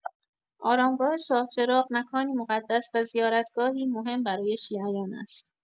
آرامگاه شاه‌چراغ مکانی مقدس و زیارتگاهی مهم برای شیعیان است.